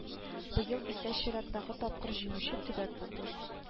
Быел исә чираттагы тапкыр җиңүче төбәк булды